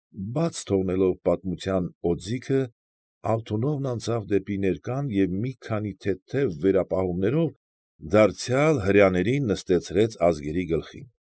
Բաց թողնելով պատմության օձիքը, Ալթունովն անցավ դեպի ներկա և մի քանի թեթև վերապահումներով դարձյալ հրեաներին նստեցրեց ազգերի գլխին։